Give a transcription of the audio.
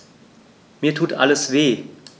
Mir tut alles weh.